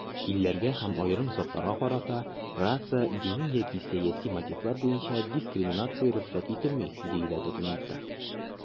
"илләргә һәм аерым затларга карата раса, дини яки сәяси мотивлар буенча дискриминация рөхсәт ителми", - диелә документта.